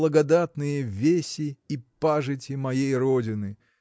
благодатные веси и пажити моей родины